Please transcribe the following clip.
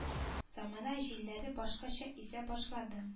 Замана җилләре башкача исә башлады